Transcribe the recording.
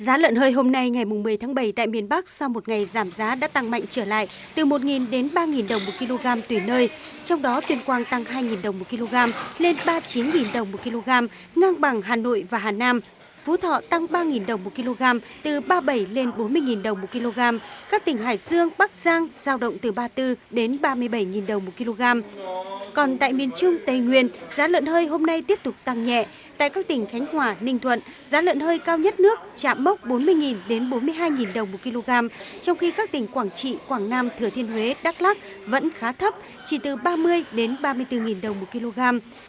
giá lợn hơi hôm nay ngày mùng mười tháng bảy tại miền bắc sau một ngày giảm giá đã tăng mạnh trở lại từ một nghìn đến ba nghìn đồng một ki lô gam tùy nơi trong đó tuyên quang tăng hai nghìn đồng một ki lô gam lên ba chín nghìn đồng một ki lô gam ngang bằng hà nội và hà nam phú thọ tăng ba nghìn đồng một ki lô gam từ ba bảy lên bốn mươi nghìn đồng một ki lô gam các tỉnh hải dương bắc giang dao động từ ba tư đến ba mươi bảy nghìn đồng một ki lô gam còn tại miền trung tây nguyên giá lợn hơi hôm nay tiếp tục tăng nhẹ tại các tỉnh khánh hòa ninh thuận giá lợn hơi cao nhất nước chạm mốc bốn mươi nghìn đến bốn hai nghìn đồng một ki lô gam trong khi các tỉnh quảng trị quảng nam thừa thiên huế đắc lắc vẫn khá thấp chỉ từ ba mươi đến ba mươi tư nghìn đồng một ki lô gam